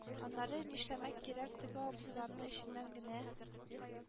Аннары, нишләмәк кирәк, теге абзыйларны эчемнән генә